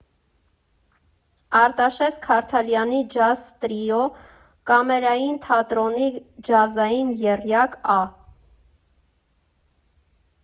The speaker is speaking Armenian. Արտաշես Քարթալյանի ջազ տրիո Կամերային թատրոնի ջազային եռյակ Ա.